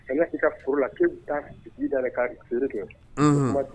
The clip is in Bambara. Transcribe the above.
A ka furu la k' bɛ taa sigi da' feereere kɛ